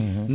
hum